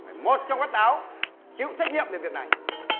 phải một trong các táo chịu trách nhiệm về việc này